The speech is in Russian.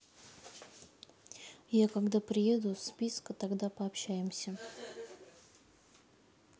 я когда приеду списка тогда пообщаемся